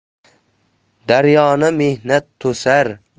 daryoni mehnat to'sar